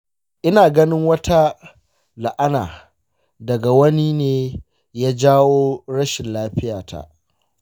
ina ganin wata la’ana daga wani ne ya jawo rashin lafiyata.